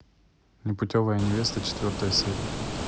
непутевая невеста четвертая серия